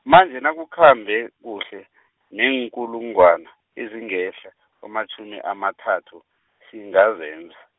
manje nakukhambe kuhle, neenkulungwana, ezingehla, kwamatjhumi amathathu, singazenza.